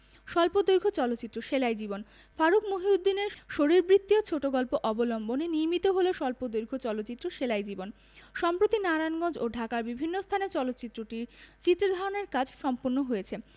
স্বল্পদৈর্ঘ্য চলচ্চিত্র সেলাই জীবন ফারুক মহিউদ্দিনের শরীরবৃত্তীয় ছোট গল্প অবলম্বনে নির্মিত হল স্বল্পদৈর্ঘ্য চলচ্চিত্র সেলাই জীবন সম্প্রতি নারায়ণগঞ্জ ও ঢাকার বিভিন্ন স্থানে চলচ্চিত্রটির চিত্র ধারণের কাজ সম্পন্ন হয়েছে